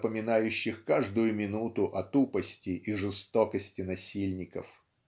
напоминающих каждую минуту о тупости и жестокости насильников"